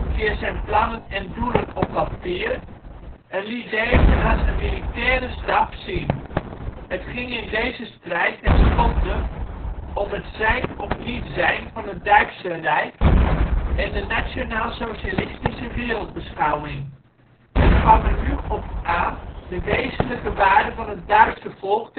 keer zijn plannen en doelen op papier en liet deze aan zijn militaire staf zien. Het ging in deze strijd tenslotte om het zijn of niet zijn van het Duitse Rijk en de nationaal-socialistische wereldbeschouwing. Het kwam er nu op aan de wezenlijke waarden van het Duitse volk